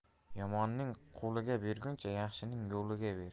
yomonning qo'liga berguncha yaxshining yo'liga ber